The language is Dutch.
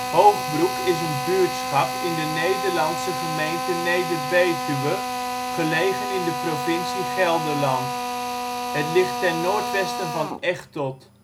Hoogbroek is een buurtschap in de Nederlandse gemeente Neder-Betuwe, gelegen in de provincie Gelderland. Het ligt ten noordwesten van Echteld